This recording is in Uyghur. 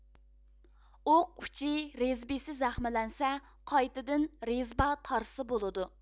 ئوق ئۇچى رېزبسى زەخىملەنسە قايتىدىن رېزبا تارتسا بولىدۇ